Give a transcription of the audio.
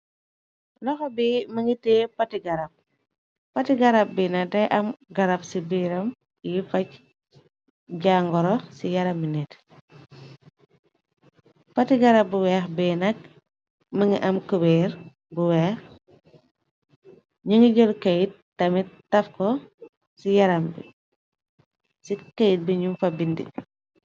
Loxo bi mëngitee pati garab pati garab bi na day am garab ci biiram. Yi faj jangoro ci yaram bi nit. Pati garab bi weex binak mëngi am kubeer bu weex. Nyi ngi jël këyt tamit taf ko ci yaram bi ci keyt bi ñu fa bindi.